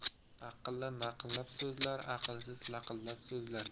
aqlli naqllab so'zlar aqlsiz laqillab so'zlar